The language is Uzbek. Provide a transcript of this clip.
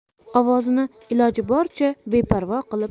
ovozini iloji boricha beparvo qilib